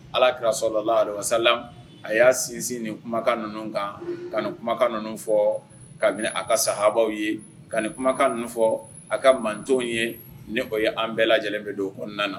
Alaki sɔrɔla dɔ lasala a y'a sinsin nin kumakan ninnu kan ka kumakan ninnu fɔ ka minɛ a ka saaa ye ka kumakan fɔ a ka manw ye ne o ye an bɛɛ lajɛlen bɛ don kɔnɔna na